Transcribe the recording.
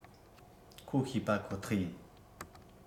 ཁོ ཤེས པ ཁོ ཐག ཡིན